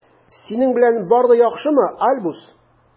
Синең белән бар да яхшымы, Альбус?